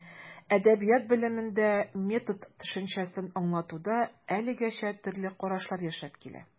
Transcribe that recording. Әдәбият белемендә метод төшенчәсен аңлатуда әлегәчә төрле карашлар яшәп килә.